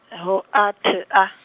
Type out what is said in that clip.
e W, A, T, A .